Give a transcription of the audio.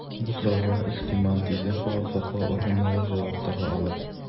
Бу сорауга, ихтимал, тиздән хокук саклау органнары җавап таба алыр.